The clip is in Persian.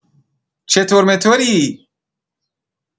چطور مطوری؟